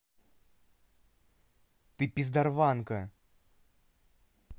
ты пиздарванка